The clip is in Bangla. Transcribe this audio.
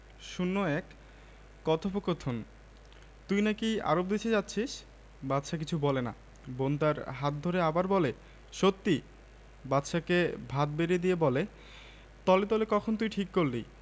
০১ কথোপকথন তুই নাকি আরব দেশে যাচ্ছিস বাদশা কিছু বলে না বোন তার হাত ধরে আবার বলে সত্যি বাদশাকে ভাত বেড়ে দিয়ে বলে তলে তলে কখন তুই ঠিক করলি